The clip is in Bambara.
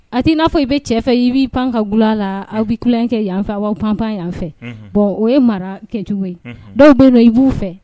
A t n'a fɔ i bɛ cɛ fɛ i b'i pan ka g la aw bɛ ku kɛ yanfɛ wa aw pan pan yanfɛ bɔn o ye mara kɛ cogo ye dɔw bɛ don i b'u fɛ